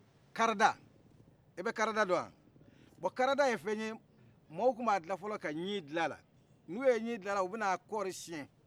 karada ibɛ karada dɔn wa karasa ye fɛn ye mɔgɔ tun ba dilan fɔlɔ ka ɲi kala n'u ye ɲi dilan a la u bɛna kɔri siyen